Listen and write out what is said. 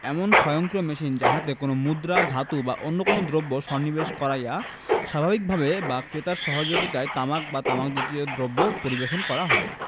এমন স্বয়ংক্রিয় মেশিন যাহাতে কোন মুদ্রা ধাতু বা অন্য কোন দ্রব্য সন্নিবেশ করাইয়া স্বাভাবিকভাবে বা ক্রেতার সহযোগিতায় তামাক বা তামাকজাত দ্রব্য পরিবেশন করা হয়